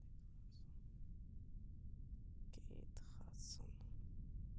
кейт хадсон